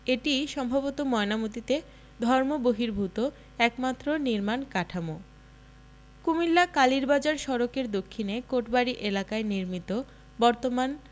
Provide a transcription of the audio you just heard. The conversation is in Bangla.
এটিই সম্ভবত ময়নামতীতে ধর্মবহির্ভূত একমাত্র নির্মাণ কাঠামো কুমিল্লা কালীরবাজার সড়কের দক্ষিণে কোটবাড়ি এলাকায় নির্মিত বর্তমান